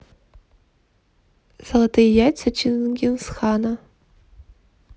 золотые яйца чингисхана